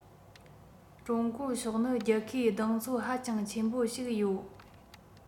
ཀྲུང གོ ཕྱོགས ནི རྒྱལ ཁའི གདེང ཚོད ཧ ཅང ཆེན པོ ཞིག ཡོད